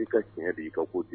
N ka tiɲɛ di i ka ko di